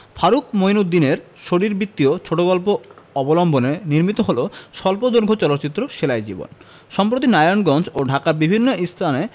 ফারুক মইনউদ্দিনের শরীরবৃত্তীয় ছোট গল্প অবলম্বনে নির্মিত হল স্বল্পদৈর্ঘ্য চলচ্চিত্র সেলাই জীবন সম্প্রতি নারায়ণগঞ্জ ও ঢাকার বিভিন্ন স্থানে